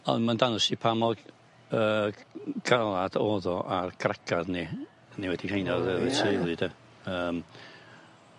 On' ma'n dangos ti pa mor yy galad o'dd o ar gragadd ni yn enwedig rheina o'dd efo teulu 'de yym